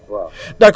64